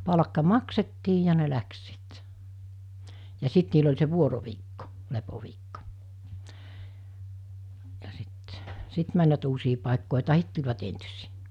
palkka maksettiin ja ne lähti sitten ja sitten niillä oli se vuoroviikko lepoviikko ja sitten sitten menivät uusiin paikkoihin tai tulivat entisiin